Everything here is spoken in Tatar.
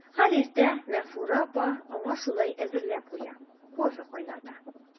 Һәр иртә Мәгъфүрә апа аңа шулай әзерләп куя, кофе кайната.